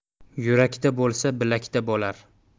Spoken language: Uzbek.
yurakda bo'lsa bilakda bo'lar